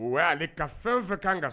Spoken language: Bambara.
Uale ka fɛn fɛ ka kan ka